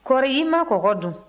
kɔri i ma kɔgɔ dun